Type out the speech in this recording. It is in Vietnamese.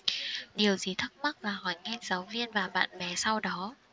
điều gì thắc mắc là hỏi ngay giáo viên và bạn bè sau đó